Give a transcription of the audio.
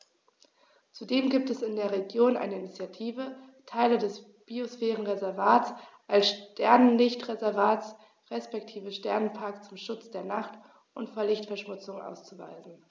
Zudem gibt es in der Region eine Initiative, Teile des Biosphärenreservats als Sternenlicht-Reservat respektive Sternenpark zum Schutz der Nacht und vor Lichtverschmutzung auszuweisen.